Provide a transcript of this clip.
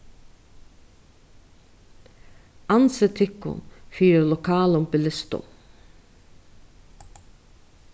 ansið tykkum fyri lokalum bilistum